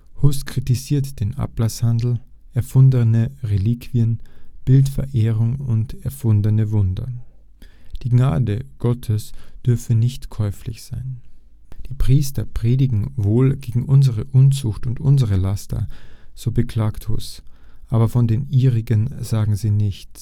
Hus kritisiert den Ablasshandel, erfundene Reliquien, Bilderverehrung und erfundene Wunder. Die Gnade Gottes dürfe nicht käuflich sein. „ Die Priester predigen wohl gegen unsere Unzucht und unsere Laster “, so beklagt Hus, „ aber von den ihrigen sagen sie nichts